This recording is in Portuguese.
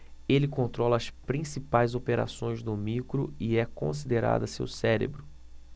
ele controla as principais operações do micro e é considerado seu cérebro